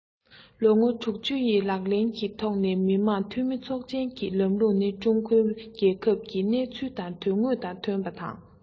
ལོ ངོ ཡི ལག ལེན གྱི ཐོག ནས མི དམངས འཐུས མི ཚོགས ཆེན གྱི ལམ ལུགས ནི ཀྲུང གོའི རྒྱལ ཁབ ཀྱི གནས ཚུལ དང དོན དངོས དང མཐུན པ དང